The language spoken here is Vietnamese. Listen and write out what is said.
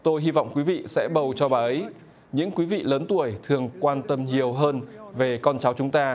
tôi hy vọng quý vị sẽ bầu cho bà ấy những quý vị lớn tuổi thường quan tâm nhiều hơn về con cháu chúng ta